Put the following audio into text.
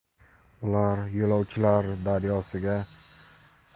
ular yo'lovchilar daryosiga